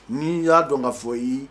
N'i y'a dɔn ka fɔ ii